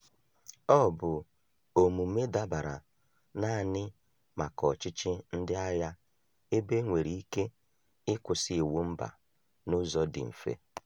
Ọ bụ omume dabara naanị maka ọchịchị ndị agha, ebe e nwere ike ịkwụsị iwu mba n'ụzọ dị mfe..